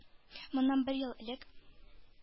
Моннан бер ел элек